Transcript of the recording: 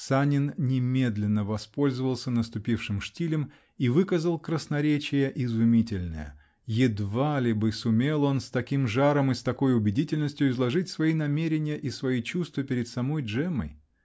Санин немедленно воспользовался наступившим штилем -- и выказал красноречие изумительное: едва ли бы сумел он с таким жаром и с такой убедительностью изложить свои намерения и свои чувства перед самой Джеммой.